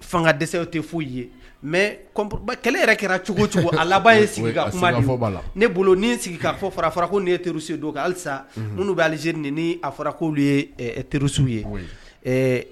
Fanga dɛsɛw tɛ foyi ye mɛ kɛlɛ yɛrɛ kɛra cogo cogo a laban ye sigi ne bolo ni sigi fara fara ko ye teriurusu don halisa n bɛ alize ni ni a fɔra koolu ye terisuw ye